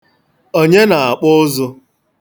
Onye na-akpụ ụzụ?